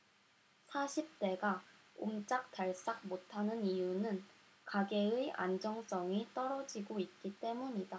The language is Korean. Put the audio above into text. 사십 대가 옴짝달싹 못하는 이유는 가계의 안정성이 떨어지고 있기 때문이다